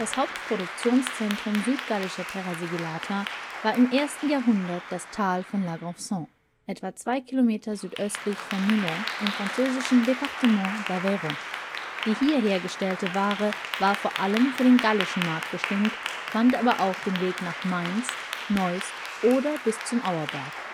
Hauptproduktionszentrum südgallischer TS war im 1. Jahrhundert das Tal von La Graufesenque, etwa zwei Kilometer südöstlich von Millau (Condatomagus) im französischen Département de l'Aveyron. Die hier hergestellte Ware war vor allem für den gallischen Markt bestimmt, fand aber auch den Weg nach Mainz, Neuss oder bis zum Auerberg